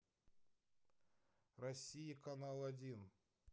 россия канал один